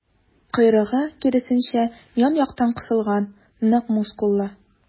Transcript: Койрыгы, киресенчә, ян-яктан кысылган, нык мускуллы.